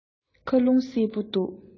ཁ རླུང བསིལ པོ འདུག